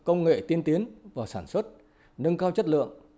công nghệ tiên tiến vào sản xuất nâng cao chất lượng